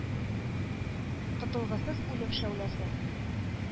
Котылгысыз үлем шәүләсен.